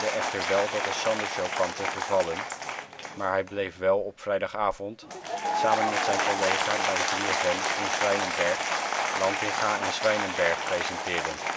echter wel dat de SanderSjow kwam te vervallen, maar hij bleef wel op vrijdagavond samen met zijn collega bij 3FM Coen Swijnenberg Lantinga & Swijnenberg presenteren